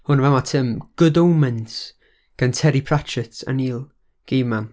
hwn yn fam'ma, ti'm- 'Good Omens' gan Terry Pratchett a Neil Gaiman.